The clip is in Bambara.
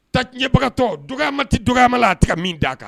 Tacɲɛbagatɔ dɔgɔma tɛ dɔgɔma la a tɛ min d'a kan